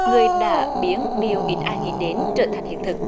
người đã biến điều ít ai nghĩ đến trở thành hiện thực